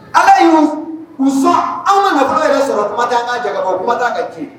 Ala y'u u sɔn, a ma nafolo yɛrɛ sɔrɔ tuma t'a ka jakabɔ, tuma t'a ka tiɲɛ.